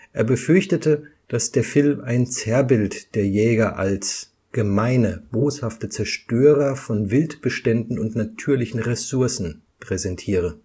Er befürchtete, dass der Film ein Zerrbild der Jäger als „ gemeine, boshafte Zerstörer von Wildbeständen und natürlichen Ressourcen “präsentiere